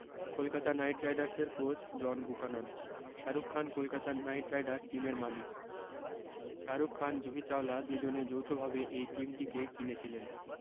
Kolkata Knight রাইডার্সের coach John Buchanan Shahrukh Khan Kolkata Knight Riders টিমের মালিক শাহারুখ খান জুহি চাওলা দুজনে যৌথ ভাবে এই টিম টিকে কিনে ছিলেন